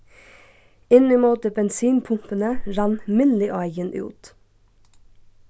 inn ímóti bensinpumpuni rann mylluáin út